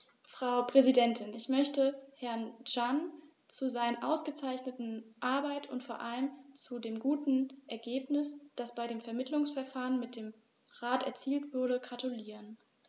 Frau Präsidentin, ich möchte Herrn Cancian zu seiner ausgezeichneten Arbeit und vor allem zu dem guten Ergebnis, das bei dem Vermittlungsverfahren mit dem Rat erzielt wurde, gratulieren.